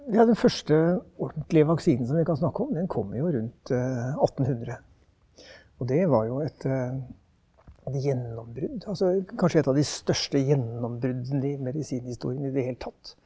ja den første ordentlige vaksinen som vi kan snakke om den kom jo rundt attenhundre, og det var jo et gjennombrudd, altså kanskje et av de største gjennombruddene i medisinhistorien i det hele tatt.